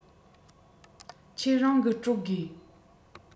ཁྱེད རང གི སྤྲོད དགོས